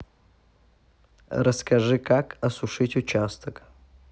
расскажи как осушить участок